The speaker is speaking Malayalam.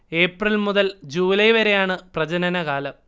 ഏപ്രിൽ മുതൽ ജൂലൈ വരെയാണ് പ്രജനന കാലം